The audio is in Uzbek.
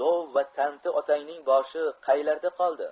dov va tanti otangning boshi qaylarda qoldi